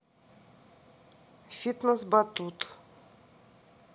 фитнес батут